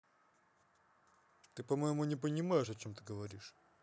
по моему ты не понимаешь о чем говоришь